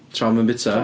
Tra mae'n byta...